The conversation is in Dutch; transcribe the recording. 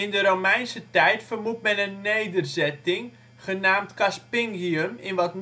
de Romeinse tijd vermoedt men een nederzetting, genaamd Caspingium in wat